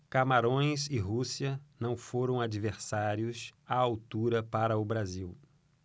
camarões e rússia não foram adversários à altura para o brasil